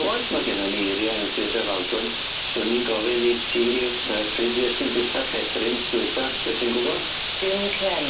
Oes ma' gennon ni eirie yn Sir Drefaldwyn swn i'n gofyn i ti yy pryd fues di'n bita ffebrins dwytha sa ti'n gwbod? Dim clem.